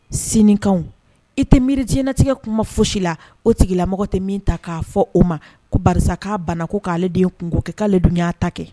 Sinikan i tɛ miiridɲɛnatigɛ kuma foyi si la o tigilamɔgɔ tɛ min ta k'a fɔ o ma ko ba k'a bana ko k'ale ale de ye kun ko kɛ k'ale ale dun y' ta kɛ